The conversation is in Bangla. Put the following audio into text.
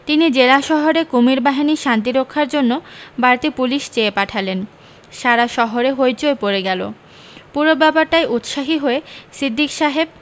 তিনি জেলা শহরে কুমীর বাহিনী শান্তি রক্ষার জন্যে বাড়তি পুলিশ চেয়ে পাঠালেন সারা শহরে হৈ চৈ পড়ে গেল পুরো ব্যাপারটায় উৎসাহী হয়ে সিদ্দিক সাহেব